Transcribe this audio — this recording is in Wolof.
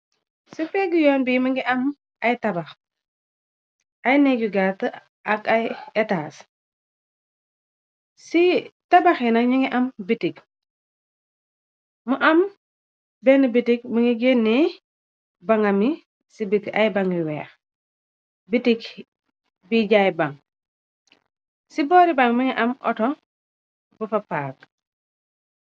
Si pegg yoon bi mingi am a tabax, ay neeg yu gatt ak ay etaas, ci tabaxi nak ñu ngi am bitik, mu am benne bitik më ngi genne bangam yi ci biti, ay bang yu weex, bitik bi jaay bang, ci boori bang mingi am outo bufa paag.